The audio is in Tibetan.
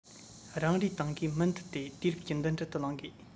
རང རེའི ཏང གིས མུ མཐུད དེ དུས རབས ཀྱི མདུན གྲལ དུ ལངས དགོས